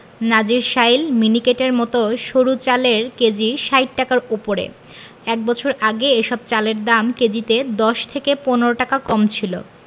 নাজিরশাইল মিনিকেটের মতো সরু চালের কেজি ৬০ টাকার ওপরে এক বছর আগে এসব চালের দাম কেজিতে ১০ থেকে ১৫ টাকা কম ছিল